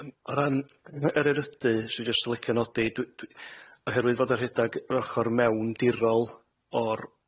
Yym o ran yr erydu 'swn i jyst yn licio nodi dw- dw- oherwydd fod y rhedag yr ochor mewndirol o'r